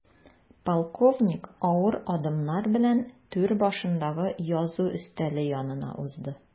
Полковник авыр адымнар белән түр башындагы язу өстәле янына узды.